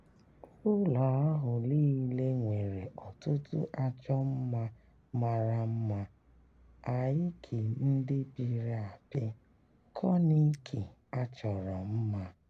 Ụlọ ahu niile nwere ọtụtụ achọmma mara mma — áàkị̀ ndị pịrị apị, kọniiki a chọrọ mma.